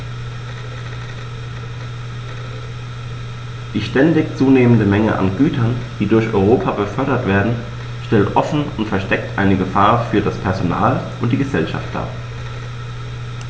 Die ständig zunehmende Menge an Gütern, die durch Europa befördert werden, stellt offen oder versteckt eine Gefahr für das Personal und die Gesellschaft dar.